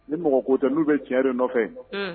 Ni mɔgɔ ko tɛ n'u bɛ tiɲɛ dɔ nɔfɛ